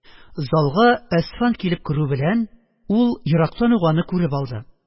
Залга Әсфан килеп керү белән, ул ерактан ук аны күреп алды